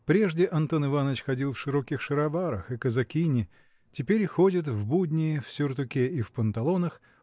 Прежде Антон Иваныч ходил в широких шароварах и казакине теперь ходит в будни в сюртуке и в панталонах